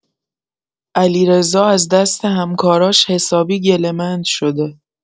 علیرضا از دست همکاراش حسابی گله‌مند شده.